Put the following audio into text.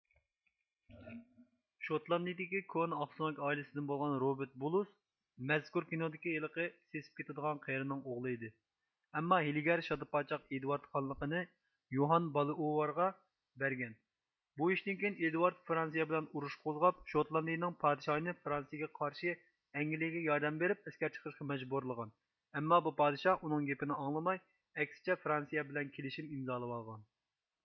شوتلاندىيىدىكى كونا ئاقسۆڭەك ئائىلىسىدىن بولغان روبىرت بۇلۇس مەزكۇر كىنودىكى ھېلىقى سېسىپ كىتىدىغان قېرىنىڭ ئوغلى ئىدى ئەمما ھىيلىگەر شادا پاچاق ئىدۋارد خانلىقنى يوھان بالىئوۋرغا بەرگەن بۇ ئىشتىن كىيىن ئىدۋارد فىرانسىيە بىلەن ئۇرۇش قوزغاپ شوتلاندىيىنىڭ پادىشاھىنى فىرانسىيىگە قارشى ئەنگىلىيەگە ياردەم بىرىپ ئەسكەر چىقىرىشقا مەجبۇرلىغان ئەمما بۇ پادىشاھ ئۇنىڭ گېپىنى ئاڭلىماي ئەكسىچە فىرانسىيە بىلەن كىلىشىم ئىمزالىۋالغان